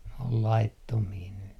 ne on laittomia nyt